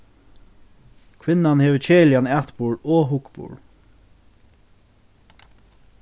kvinnan hevur keðiligan atburð og hugburð